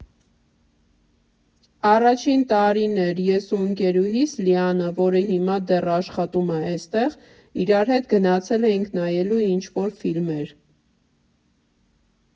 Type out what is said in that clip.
Առաջին տարին էր, ես ու ընկերուհիս՝ Լիանը, որը հիմա դեռ աշխատում ա էստեղ, իրար հետ գնացել էինք նայելու ինչ֊որ ֆիլմեր։